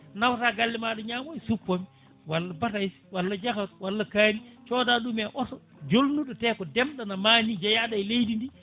nawta galle maɗa aɗa ñamoya suppome walla batayse walla jahatu walla kaani coda ɗum e oto jolnuɗo te ko ndemɗo no ma ni jeyaɗo e leydi ndi